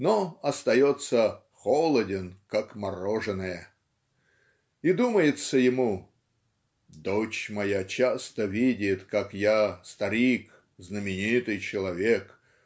"- но остается "холоден, как мороженое". И думается ему "Дочь моя часто видит как я старик знаменитый человек